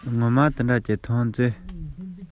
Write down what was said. སྒོར སྒོར ཞིག བཞག པ དང